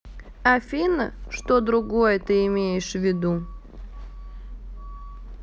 афина что другое ты имеешь в виду